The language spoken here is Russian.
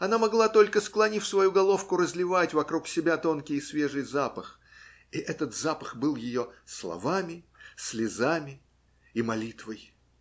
она могла только, склонив свою головку, разливать вокруг себя тонкий и свежий запах, и этот запах был ее словами, слезами и молитвой.